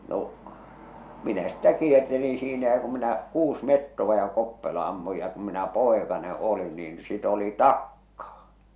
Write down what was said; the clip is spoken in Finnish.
no minä sitten kiertelin siinä ja kun minä kuusi metsoa ja koppelon ammuin ja kun minä poikanen olin niin sitä oli taakkaa